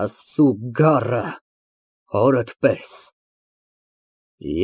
Աստծու գառը, հորդ պես։